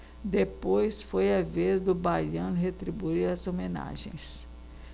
depois foi a vez do baiano retribuir as homenagens